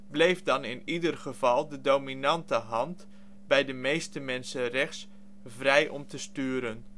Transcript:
bleef dan in ieder geval de dominante hand (bij de meeste mensen rechts) vrij om te sturen